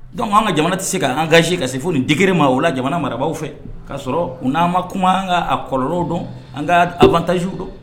Dɔnku'an ka jamana tɛ se ka'an gasi ka se fo ni dra ma o la jamana marabagaw fɛ k'a sɔrɔ n'an ma kuma an ka a kɔlɔnlɔ dɔn an kabantasiw dɔn